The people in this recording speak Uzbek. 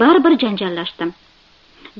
baribir janjallashdim